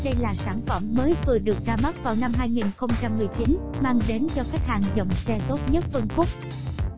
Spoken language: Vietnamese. đây là sản phẩm mới vừa được ra mắt vào năm mang đến cho khách hàng dòng xe tốt nhất phân khúc